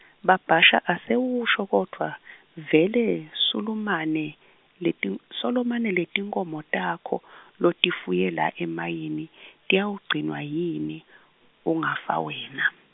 ba Bhasha, Asewusho kodvwa vele yeSulumane, leti solomane letinkhomo takho, lotifuye la emayini, tiyawugcinwa yini, ungafa wena?